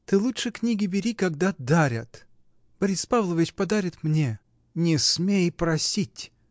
Ты лучше книги бери, когда дарят! Борис Павлович подарит мне. — Не смей просить!